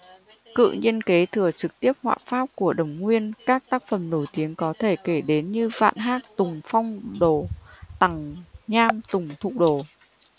cự nhiên kế thừa trực tiếp họa pháp của đổng nguyên các tác phẩm nổi tiếng có thể kể đến như vạn hác tùng phong đồ tằng nham tùng thụ đồ